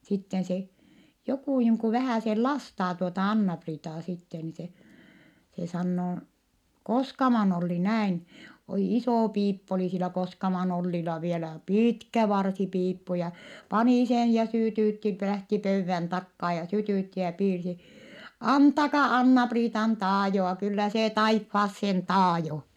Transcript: sitten se joku niin kuin vähäsen lastaa tuota Anna-Priitaa sitten niin se se sanoo Koskaman Olli näin oli iso piippu oli sillä Koskaman Ollilla vielä pitkä varsipiippu ja pani sen ja sytytti lähti pöydän takaa ja sytytti ja piirsi antakaa Anna-Priitan taajoa kyllä se taivaaseen taajoo